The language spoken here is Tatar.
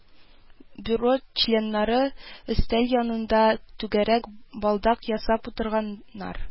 Бюро членнары өстәл янында түгәрәк балдак ясап утырганнар